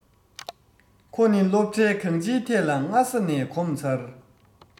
ཁོ ནི སློབ གྲྭའི གང སྤྱིའི ཐད ལ སྔ ས ནས གོམ ཚར